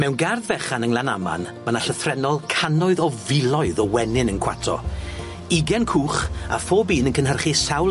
Mewn gardd fechan yng Nglanaman, ma' 'na llythrennol cannoedd o filoedd o wenyn yn cwato ugain cwch, a phob un yn cynhyrchu sawl